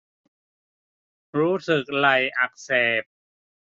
รู้สึกไหล่อักเสบ